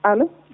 allo